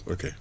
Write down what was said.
ok